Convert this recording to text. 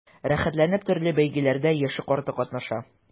Рәхәтләнеп төрле бәйгеләрдә яше-карты катнаша.